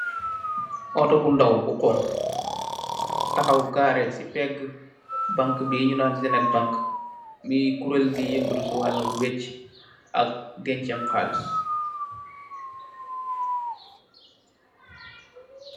Auto bu ndaw bu xonxu, taxaw gareh ci pegga bank bi ñinaan zenet bank, di kurel gui yengatu si walli wecci ak denci xalis.